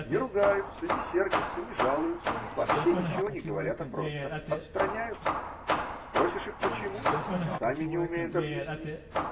Не ругаются, не сердятся, не жалуются, вообще ничего не говорят, а просто отстраняются. Спросишь их: почему? Сами не умеют объяснить.